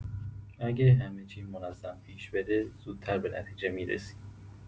اگه همه چی منظم پیش بره، زودتر به نتیجه می‌رسیم.